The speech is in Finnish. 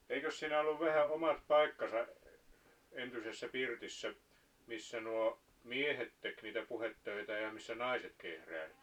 eikös siinä ollut vähän omat paikkansa entisessä pirtissä missä nuo miehet teki niitä puhdetöitä ja missä naiset kehräili